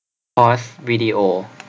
พอสวีดีโอ